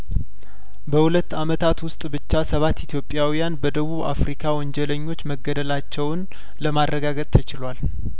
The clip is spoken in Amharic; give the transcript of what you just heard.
በሁለት አመታት ውስጥ ብቻ ሰባት ኢትዮጵያውያን በደቡብ አፍሪካ ወንጀለኞች መገደላቸውን ለማረጋገጥ ተችሏል